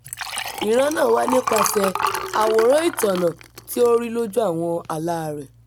Ìran náà wá nípasẹ̀ àwòrán ìtọ́nà tí ó rí lójú àwọn àláa rẹ̀.